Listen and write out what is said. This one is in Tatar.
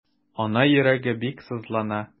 Ана йөрәге бик сызлана.